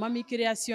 Maa minirisi